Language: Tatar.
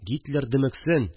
Гитлер дөмексен